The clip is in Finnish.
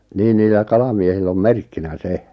niin niillä kalamiehillä on merkkinä se